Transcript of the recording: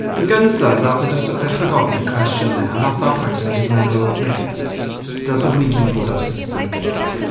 Yn gynta wnaeth e jyst dechrau gofyn fi cwestiynau and at that point o'n i jyst yn meddwl "mêt dylse hwn i gyd fod ar system ti".